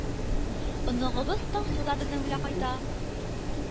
Оныгыбыз таңсу да безнең белән кайта.